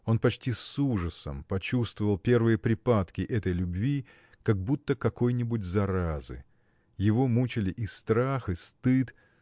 Он почти с ужасом почувствовал первые припадки этой любви как будто какой-нибудь заразы. Его мучили и страх и стыд